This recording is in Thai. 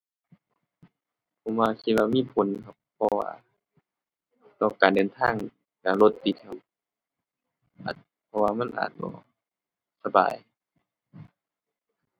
ผมว่าคิดว่ามีผลครับ เพราะว่าต่อการเดินทางก็รถติดครับ เพราะว่ามันอาจจะสบาย